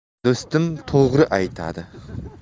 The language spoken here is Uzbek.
do'stim to'g'ri aytardi